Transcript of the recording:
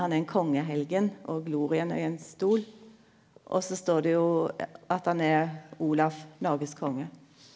han er ein kongehelgen og glorien er ein stol og så står det jo at han er Olav Noregs konge.